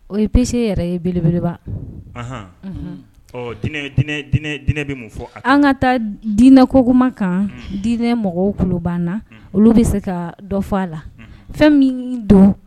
O ye péché yɛrɛ ye belebeleba anhan unhun ɔɔ dinɛɛ dinɛɛ dinɛɛ dinɛɛ bɛ mun fɔ a kan an ka taa d dinɛ kokuma kan unhun dinɛ mɔgɔw kulo b'aan na unhun olu bɛ se kaa dɔ fɔ a la fɛn minn don